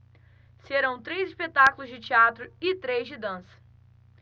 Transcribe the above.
serão três espetáculos de teatro e três de dança